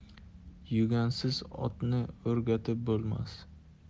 yugansiz otni o'rgatib bo'lmas